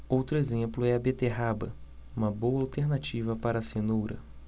outro exemplo é a beterraba uma boa alternativa para a cenoura